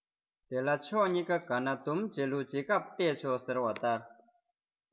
དེ ལ ཕྱོགས གཉིས ཀ དགའ ན སྡུམ བྱེད ལུགས ཇི འགབ བལྟས ཆོག ཟེར བ ལྟར